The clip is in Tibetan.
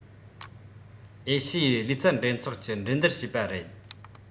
ཨེ ཤེ ཡའི ལུས རྩལ འགྲན ཚོགས ཀྱི འགྲན བསྡུར བྱས པ རེད